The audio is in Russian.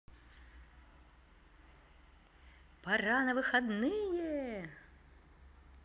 пара на выходные